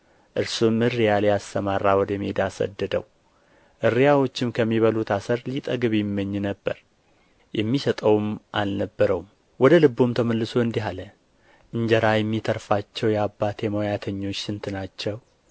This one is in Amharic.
እርሱም እሪያ ሊያሰማራ ወደ ሜዳ ሰደደው እሪያዎችም ከሚበሉት አሰር ሊጠግብ ይመኝ ነበር የሚሰጠውም አልነበረም ወደ ልቡም ተመልሶ እንዲህ አለ እንጀራ የሚተርፋቸው የአባቴ ሞያተኞች ስንት ናቸው